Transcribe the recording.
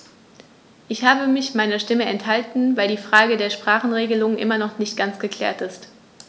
Ich habe mich meiner Stimme enthalten, weil die Frage der Sprachenregelung immer noch nicht ganz geklärt ist.